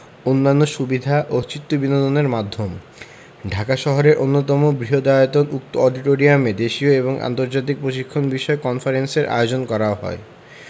অন্যান্য সুবিধা ও চিত্তবিনোদনের মাধ্যম ঢাকা শহরের অন্যতম বৃহদায়তন উক্ত অডিটোরিয়ামে দেশীয় ও আন্তর্জাতিক প্রশিক্ষণ বিষয়ক কনফারেন্সের আয়োজন করা হয়